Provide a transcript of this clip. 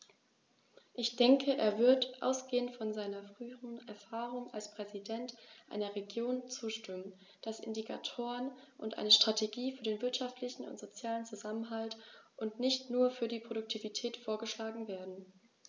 Ich denke, er wird, ausgehend von seiner früheren Erfahrung als Präsident einer Region, zustimmen, dass Indikatoren und eine Strategie für den wirtschaftlichen und sozialen Zusammenhalt und nicht nur für die Produktivität vorgeschlagen werden.